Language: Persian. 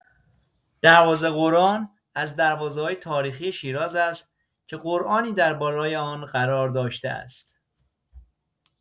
دروازه قرآن از دروازه‌های تاریخی شیراز است که قرآنی در بالای آن قرار داشته است.